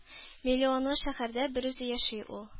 Миллионлы шәһәрдә берүзе яши ул.